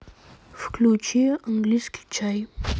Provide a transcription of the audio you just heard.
включи английский чай